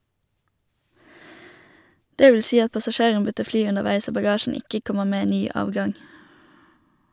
Det vil si at passasjeren bytter fly underveis og bagasjen ikke kommer med ny avgang.